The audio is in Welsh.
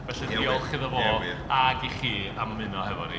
Felly diolch iddo fo ac i chi am ymuno efo ni.